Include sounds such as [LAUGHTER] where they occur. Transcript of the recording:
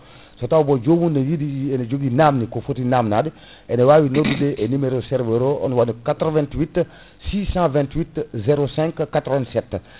[BREATH] so taw bon jomum ne yiiɗi ene joogui namde ko foti namnade [BREATH] ene wawi [CLEARS THROAT] wawi noddude e numéro serveur o ene waɗa 88 628 05 87